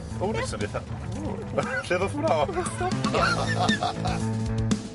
Ww.... Ia. ...ma'n swnio 'tha ww lle ddath hwnna o. Yn hollol.